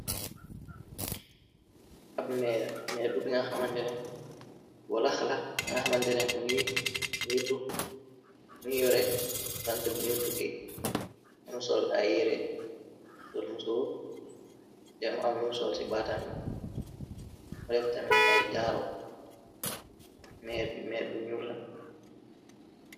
Ab meer meer bi nga xamantene waxlax la binga xamandene mgetu mi yore bant biñuy tukkey nemu sol ay yere sol mu sor jemu am num sol ci baatam bi mu def tamin ay jaaru meer bi meer bu ñyulla.